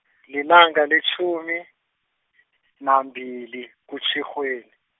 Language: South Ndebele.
lilanga letjhumi, nambili, kuTjhirhweni.